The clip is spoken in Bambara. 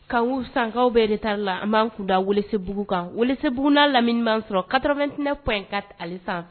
Kan uu sankaw bɛɛ deta la an b'an kunda w bbugu kan walisebuguuguuna lamini sɔrɔ katormetinɛ ka ali san